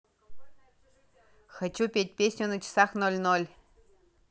хочу петь песню на часах ноль ноль